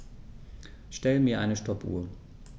Stell mir eine Stoppuhr.